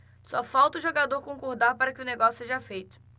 só falta o jogador concordar para que o negócio seja feito